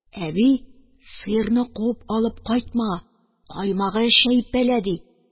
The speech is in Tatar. Әби, сыерны куып алып кайтма, каймагы чәйпәлә, ди